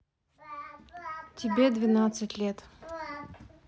тебе двенадцать лет